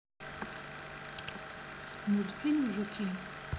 мультфильм жуки